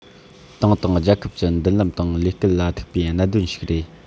ཏང དང རྒྱལ ཁབ ཀྱི མདུན ལམ དང ལས སྐལ ལ ཐུག པའི གནད དོན ཞིག རེད